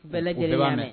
Bɛɛ lajɛlen